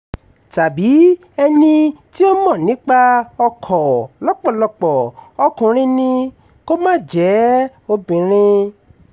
Tàbí ẹni tí ó mọ̀ nípa ọkọ̀ lọ́pọ̀lọpọ̀ – ọkùnrin ni, kó má jẹ̀ ẹ́ obìnrin.